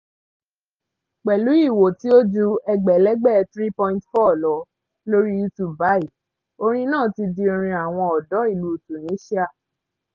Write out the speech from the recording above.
Pẹ̀lú ìwò tí ó ju ẹgbẹ̀lẹ́gbẹ̀ 3.4 lọ lórí YouTube báyìí, orin náà ti di orin àwọn Ọ̀dọ́ ilu Tunisia.